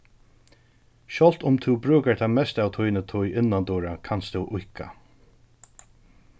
sjálvt um tú brúkar tað mesta av tíni tíð innandura kanst tú íðka